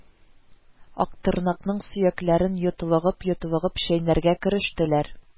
Актырнакның сөякләрен йотлыгып-йотлыгып чәйнәргә керештеләр